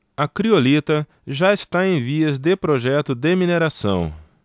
a criolita já está em vias de projeto de mineração